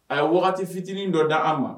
A ye wagati fitinin dɔ d an ma